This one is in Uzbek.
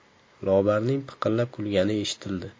lobarning piqillab kulgani eshitildi